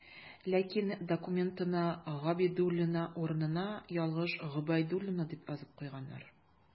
Ләкин документына «Габидуллина» урынына ялгыш «Гобәйдуллина» дип язып куйганнар.